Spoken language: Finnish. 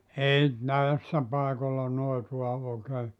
ei näissä paikoilla noitaa oikein